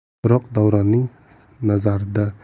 biroq davronning nazarida eshik juda